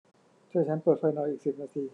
ช่วยฉันเปิดไฟหน่อยอีกสิบนาที